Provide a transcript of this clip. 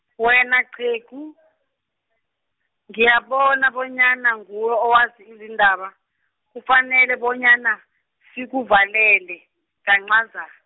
wena qhegu , ngiyabona bonyana nguwe owazi izindaba, kufanele bonyana, sikuvalele, kanqaza-.